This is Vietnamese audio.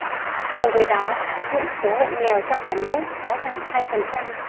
cùng với đó hiện số hộ nghèo trong cả nước đã giảm hai phần trăm